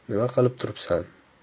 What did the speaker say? nima qilib turibsan